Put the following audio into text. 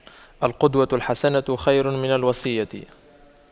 القدوة الحسنة خير من الوصية